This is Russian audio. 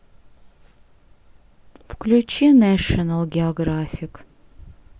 включи нешнл географик